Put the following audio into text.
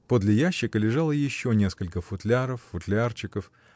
Подле ящика лежало еще несколько футляров, футлярчиков.